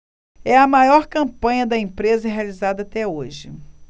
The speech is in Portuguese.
é a maior campanha da empresa realizada até hoje